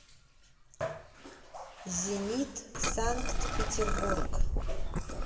зенит санкт петербург